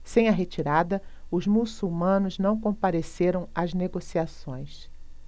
sem a retirada os muçulmanos não compareceram às negociações